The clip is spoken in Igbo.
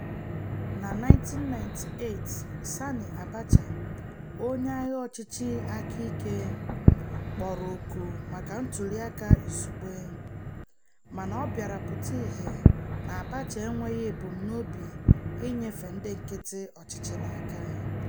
Na 1998, Sani Abacha, onye agha ọchịchị aka ike, kpọrọ oku maka ntụliaka izugbe mana ọ bịara pụta ìhè na Abacha enweghị ebumnobi inyefe ndị nkịtị ọchịchị n'aka.